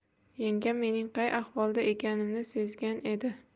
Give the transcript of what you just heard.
yangam mening qay ahvolda ekanimni sezgan edi